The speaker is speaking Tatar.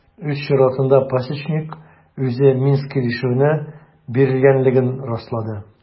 Үз чиратында Пасечник үзе Минск килешүенә бирелгәнлеген раслады.